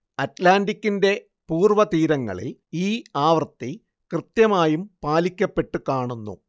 അറ്റ്ലാന്റിക്ക്കിന്റെ പൂർവതീരങ്ങളിൽ ഈ ആവൃത്തി കൃത്യമായും പാലിക്കപ്പെട്ടു കാണുന്നു